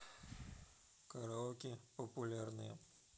караоке популярные